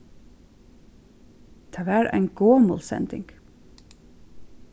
tað var ein gomul sending